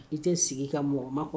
I tɛ sigi ka mɔgɔ ma kɔnɔ